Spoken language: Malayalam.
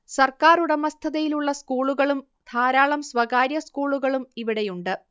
സർക്കാറുടമസ്ഥതയിലുള്ള സ്കൂളുകളും ധാരാളം സ്വകാര്യ സ്കൂളുകളും ഇവിടെയുണ്ട്